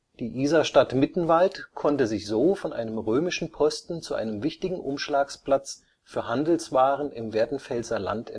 Die Isarstadt Mittenwald konnte sich so von einem römischen Posten zu einem wichtigen Umschlagsplatz für Handelswaren im Werdenfelser Land